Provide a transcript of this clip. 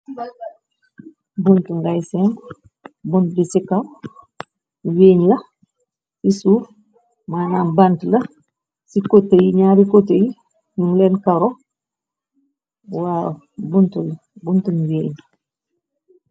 Bunt ngay seng bunt li sika weeñ la i suuf. Manam bant la ci cote yi ñaari kote yi ñum leen karo wa buntum weeñ.